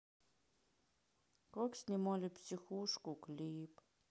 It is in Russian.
как снимали психушку клип